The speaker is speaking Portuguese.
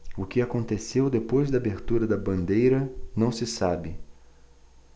o que aconteceu depois da abertura da bandeira não se sabe